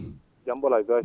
jam ?olo a